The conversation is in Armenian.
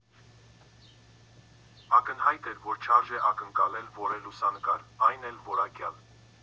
Ակնհայտ էր, որ չարժե ակնկալել որևէ լուսանկար, այն էլ՝ որակյալ։